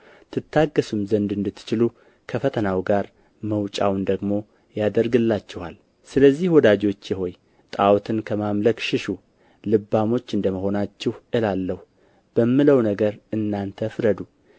ትታገሡም ዘንድ እንድትችሉ ከፈተናው ጋር መውጫውን ደግሞ ያደርግላችኋል ስለዚህ ወዳጆቼ ሆይ ጣዖትን ከማምለክ ሽሹ ልባሞች እንደ መሆናችሁ እላለሁ በምለው ነገር እናንተ ፍረዱ